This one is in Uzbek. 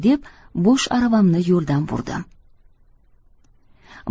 deb bo'sh aravamni yo'ldan burdim